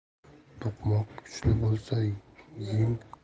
to'qmoq kuchli bo'lsa